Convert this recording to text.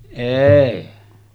ei